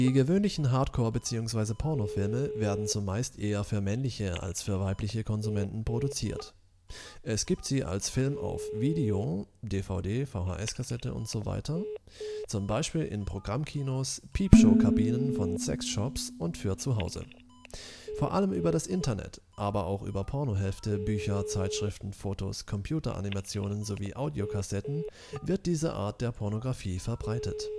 gewöhnlichen Hardcore - bzw. Pornofilme werden zumeist eher für männliche als für weibliche Konsumenten produziert. Es gibt sie als Film auf Video (DVD, VHS-Kassette usw.), z. B. in Programmkinos, Peepshow-Kabinen von Sexshops und für zu Hause. Vor allem über das Internet, aber auch über Pornohefte, Bücher, Zeitschriften, Fotos, Computeranimationen sowie Audiokassetten wird diese Art der Pornografie verbreitet